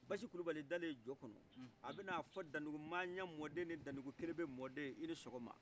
basi kulubali dalen jɔ kɔnɔ a bɛna a fɔ danugumaɲa mɔden ni danugukerebe mɔden i ni sɔgɔma